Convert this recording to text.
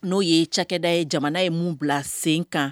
N'o ye cakɛda ye jamana ye mun bila sen kan